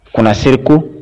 Ko se ko